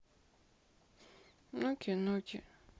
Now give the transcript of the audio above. нуки нуки